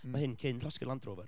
Ma' hyn cyn llosgi'r Land Rover.